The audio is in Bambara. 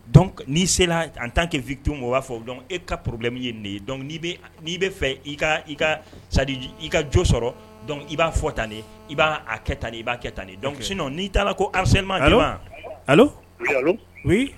Donc n'i sera en temps que victime u b'a fɔ donc e ka probleme ye nin de ye donc n'i bɛ fɛ i ka i ka c'est à dire i ka jo sɔrɔ donc i b'a fɔ tan de i b' a kɛ tan de i b'a kɛ tan de ib'a kɛ tan de donc sinon n'i taara ko arcellement allo daman allo oui allo